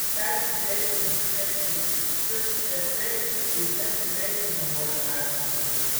Tijdens deze inspectie kunnen er tevens diverse metingen worden uitgevoerd